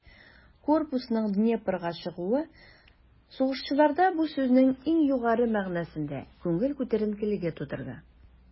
Корпусның Днепрга чыгуы сугышчыларда бу сүзнең иң югары мәгънәсендә күңел күтәренкелеге тудырды.